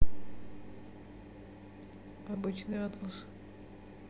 обычный атлас